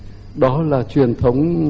đó là truyền thống